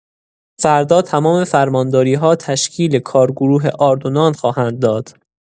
فردا تمام فرمانداری‌ها تشکیل کارگروه آرد و نان خواهند داد.